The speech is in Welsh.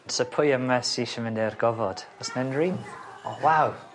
So pwy yma sy isie mynd i'r gofod? O's 'na unryw un? O waw!